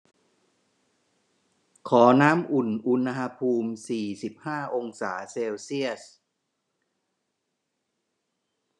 ขอน้ำอุ่นอุณหภูมิสี่สิบห้าองศาเซลเซียส